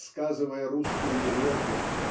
рассказывая русскую деревню